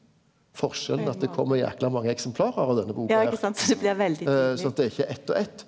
forskjellen at det kjem jækla mange eksemplar av denne boka her sånn at det er ikkje eitt og eitt.